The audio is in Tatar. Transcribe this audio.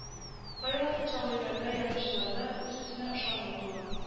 Кайвакыт шагыйрьләрдә язучыларда үз-үзенә ышанмау туа